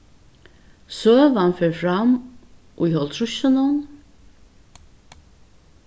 søgan fer fram í hálvtrýssunum